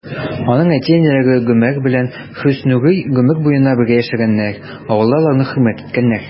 Аның әти-әниләре Гомәр белән Хөснурый гомер буена бергә яшәгәннәр, авылда аларны хөрмәт иткәннәр.